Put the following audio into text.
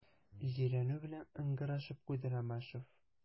Җирәнү белән ыңгырашып куйды Ромашов.